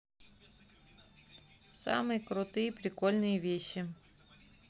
самые крутые и прикольные вещи